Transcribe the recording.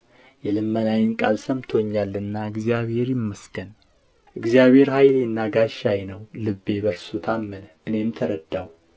የልመናዬን ቃል ሰምቶኛልና እግዚአብሔር ይመስገን እግዚአብሔር ኃይሌና ጋሻዬ ነው ልቤ በእርሱ ታመነ እኔም ተረዳሁ